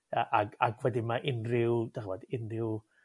A ag ag wedyn ma' unryw dych ch'mod unryw